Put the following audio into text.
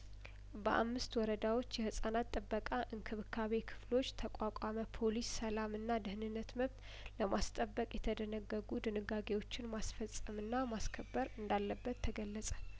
በአምስት ወረዳዎች የህጻናት ጥበቃ እንክብካቤ ክፍሎች ተቋቋመ ፓሊስ ሰላምና ደህንነት መብት ለማስጠበቅ የተደነገጉ ድንጋጌዎችን ማስፈጸምና ማስከበር እንዳለበት ተገለጸ